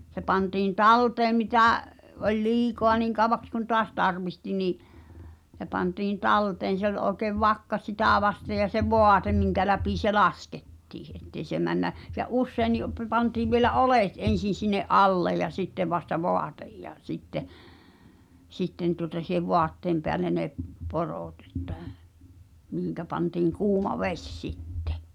se pantiin talteen mitä oli liikaa niin kauaksi kuin taas tarvitsi niin se pantiin talteen se oli oikein vakka sitä vasten ja se vaate minkä läpi se laskettiin että ei se mene se useinkin - pantiin vielä oljet ensin sinne alle ja sitten vasta vaate ja sitten sitten tuota siihen vaatteen päälle ne porot että mihin pantiin kuuma vesi sitten